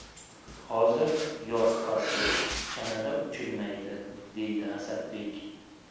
hozir yoz fasli chanada uchilmaydi deydi asadbek